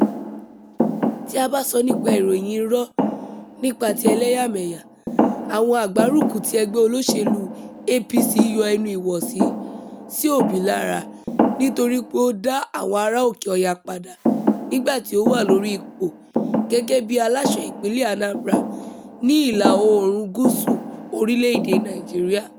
Tí a bá sọ nípa ìròyìn irọ́ nípa ti ẹlẹ́yàmẹyà, àwọn agbárùkù ti ẹgbẹ́ olóṣèlúu APC yọ ẹnu ìwọ̀sí sí Obi lára nítorí pé ó dá àwọn ará òkè Ọya padà nígbà tí ó wà lórí ipò gẹ́gẹ́ bí aláṣẹ Ìpínlẹ̀ Anambra, ní ìlà-oòrùn gúúsù orílẹ̀-èdèe Nàìjíríà.